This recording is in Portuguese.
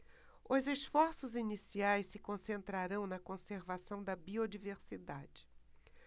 os esforços iniciais se concentrarão na conservação da biodiversidade